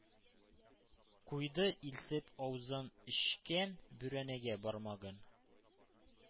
Куйды илтеп аузын эчкән бүрәнәгә бармагын,—